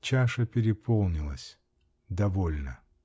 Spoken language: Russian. Чаша переполнилась -- довольно!